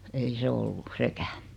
ei se ollut sekään